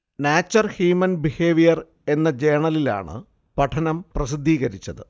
'nature human behaviour' എന്ന ജേണലിലാണ് പഠനം പ്രസിദ്ധീകരിച്ചത്